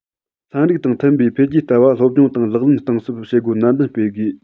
ཚན རིག དང མཐུན པའི འཕེལ རྒྱས ལྟ བ སློབ སྦྱོང དང ལག ལེན གཏིང ཟབ བྱེད པའི བྱེད སྒོ ནན ཏན སྤེལ དགོས